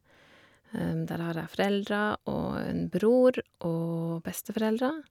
Der har jeg foreldre og en bror og besteforeldre.